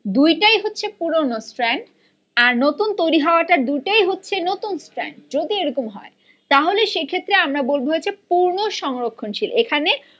দুইটাই হচ্ছে পুরোনো স্ট্র্যান্ড আর নতুন তৈরি হওয়া্টা দুইটাই হচ্ছে নতুন স্ট্র্যান্ড যদি এরকম হয় তাহলে সেক্ষেত্রে আমরা বলব পুর্ণ সংরক্ষনশীল এখানে